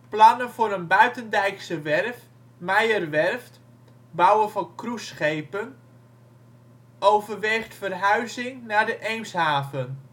plannen voor een buitendijkse werf, Meyer Werft, bouwer van cruiseschepen overweegt verhuizing naar de Eemshaven